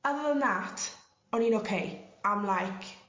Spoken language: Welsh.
other than that o'n i'n oce am like